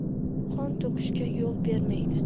qon to'kishga yo'l bermaydi